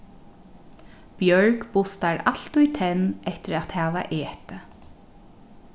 bjørg bustar altíð tenn eftir at hava etið